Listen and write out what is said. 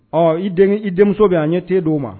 Ɔ i i denmuso bɛ an ɲɛ te di' ma